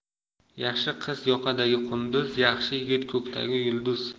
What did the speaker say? yaxshi qiz yoqadagi qunduz yaxshi yigit ko'kdagi yulduz